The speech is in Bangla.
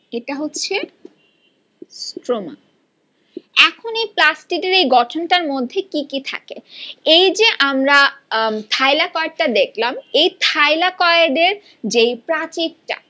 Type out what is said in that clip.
এটা হচ্ছে স্ট্রোমা এখন এই প্লাস্টিড এর গঠন টার মধ্যে কি কি থাকে এই যে আমরা থাইলাকয়েড টা দেখলাম এই থাইলাকয়েড এর যে প্রাচীরটা